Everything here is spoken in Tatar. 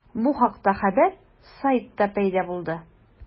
Бу хакта хәбәр сайтта пәйда булды.